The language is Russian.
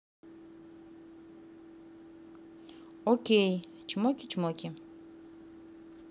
окей чмоки чмоки